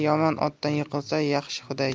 yomon otdan yiqilsa yaxshi hudaychi